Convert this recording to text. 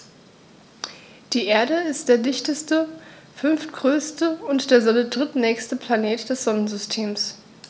Die Erde ist der dichteste, fünftgrößte und der Sonne drittnächste Planet des Sonnensystems.